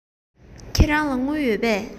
ཁྱེད རང ལ དངུལ ཡོད པས